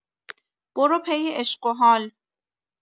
برو پی عشق و حال